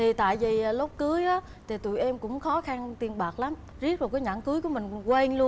thì tại dì lúc cưới á thì tụi em cũng khó khăn tiền bạc lắm riết rồi cái nhẫn cưới của mừn còn quên